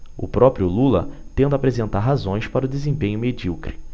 o próprio lula tenta apresentar razões para o desempenho medíocre